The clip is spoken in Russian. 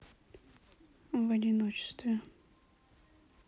в одиночестве